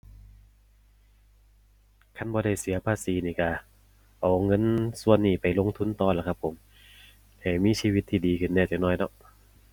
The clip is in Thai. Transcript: คันบ่ได้เสียภาษีนี่ก็ เอาเงินส่วนนี้ไปลงทุนต่อล่ะครับผม ให้มีชีวิตที่ดีขึ้นแหน่จักหน่อยเนาะ